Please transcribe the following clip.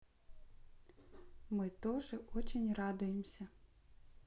мы тоже очень радуемся